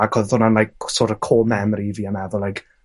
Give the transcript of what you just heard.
Ag odd hwnna'n like sort of core memory fi a meddwl like